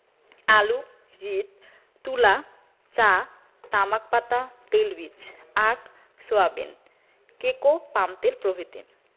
আলু রীট তুলা চা তামাক পাতা তেলবীজ আখ সয়াবিন কেকো পামতেল প্রভিতি